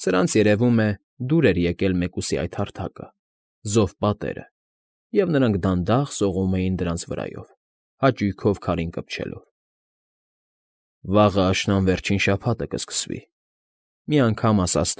Սրանց, երևում է, դուր էր եկել մեկուսի այդ հարթակը, զով պատերը, և նրանք դանդաղ սողում էին դրանց վրայով, հաճույքով քարին կպչելով։ ֊ Վաղը աշնան վերջին շաբաթը կսկսվի,֊ մի անգամ ասաց։